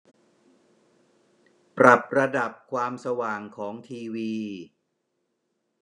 ปรับระดับระดับความสว่างของทีวี